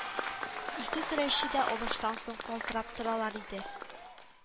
Ике көрәшче дә алыштан соң калтырап торалар иде